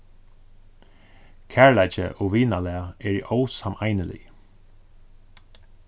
kærleiki og vinalag eru ósameinilig